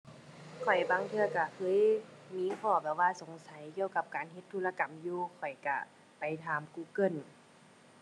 ข้อยบางเทื่อก็เคยมีข้อแบบว่าสงสัยเกี่ยวกับการเฮ็ดธุรกรรมอยู่ ข้อยก็ไปถาม Google